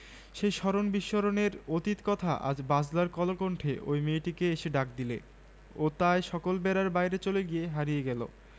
সেই স্মরণ বিস্মরণের অতীত কথা আজ বাদলার কলকণ্ঠে ঐ মেয়েটিকে এসে ডাক দিলে ও তাই সকল বেড়ার বাইরে চলে গিয়ে হারিয়ে গেল